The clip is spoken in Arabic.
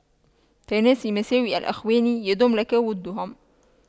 تناس مساوئ الإخوان يدم لك وُدُّهُمْ